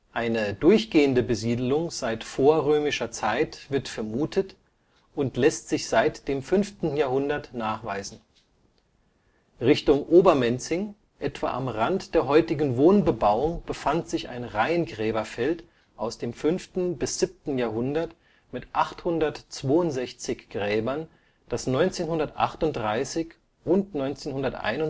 Eine durchgehende Besiedelung seit vorrömischer Zeit wird vermutet und lässt sich seit dem 5. Jahrhundert nachweisen. Richtung Obermenzing, etwa am Rand der heutigen Wohnbebauung befand sich ein Reihengräberfeld aus dem 5. bis 7. Jahrhundert mit 862 Gräbern, das 1938 und 1961